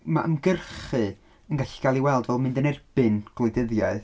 Ma' ymgyrchu yn gallu cael ei weld fel mynd yn erbyn gwleidyddiaeth.